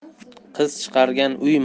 qiz chiqargan uy